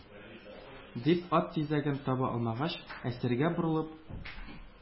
- дип, ат тизәген таба алмагач, әсиргә борылып,